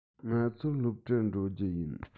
ང ཚོ སློབ གྲྭར འགྲོ རྒྱུ ཡིན